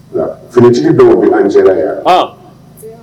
Finitigi bɛ an cɛla yan